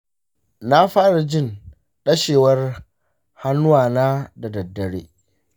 na fara jin ɗashewar hannuwana da daddare.